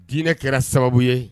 Diinɛ kɛra sababu ye